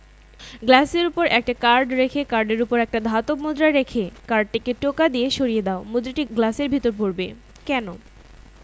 গ্লাসের উপর একটা কার্ড রেখে কার্ডের উপর একটা ধাতব মুদ্রা রেখে কার্ডটিকে টোকা দিয়ে সরিয়ে দাও মুদ্রাটি গ্লাসের ভেতর পড়বে কেন